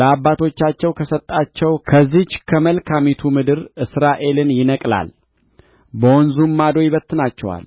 ለአባቶቻቸው ከሰጣቸው ከዚች ከመልካሚቱ ምድር እስራኤልን ይነቅላል በወንዙም ማዶ ይበትናቸዋል